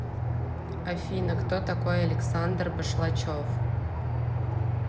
афина кто такой александр башлачев